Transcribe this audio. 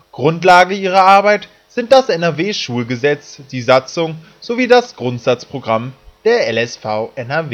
Grundlage ihrer Arbeit sind das NRW-Schulgesetz, die Satzung sowie das Grundsatzprogramm der LSV NRW